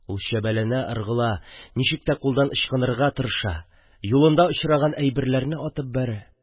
Л чәбәләнә-ыргыла, ничек тә кулдан ычкынырга тырыша, юлында очраган әйберләрне атып бәрә.